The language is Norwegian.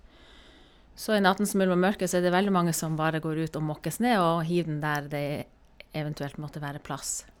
Så i nattens mulm og mørke så er det veldig mange som bare går ut og måker snø og hiver den der det e eventuelt måtte være plass.